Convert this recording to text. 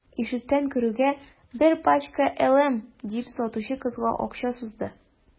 Ишектән керүгә: – Бер пачка «LM»,– дип, сатучы кызга акча сузды.